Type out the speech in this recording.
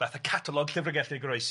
fath o catalog llyfrgell i goroesi.